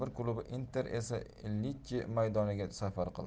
bir klubi inter esa lechche maydoniga safar qildi